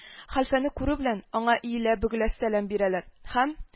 Хәлфәне күрү белән аңа иелә-бөгелә сәлам бирәләр һәм